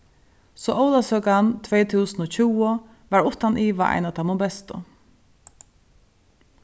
so ólavsøkan tvey túsund og tjúgu var uttan iva ein av teimum bestu